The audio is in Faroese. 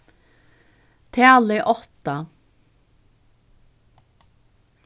talið átta